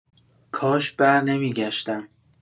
کاش برنمی‌گشتم.